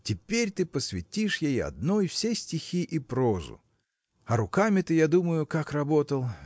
теперь ты посвятишь ей одной все стихи и прозу. А руками-то, я думаю, как работал!